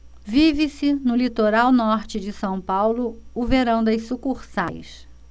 vive-se no litoral norte de são paulo o verão das sucursais